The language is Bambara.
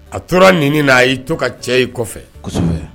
A tora nin de la a y'i to ka cɛ ye kɔfɛ, kosɛbɛ.